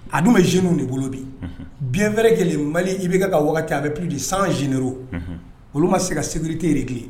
A dun ma zw de bolo bi bi wɛrɛ lajɛlen mali i bɛ kɛ ka waati a bɛ pdi san zer olu ma se ka segurike de kɛ